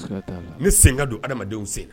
Ne senka don adamadamadenw sen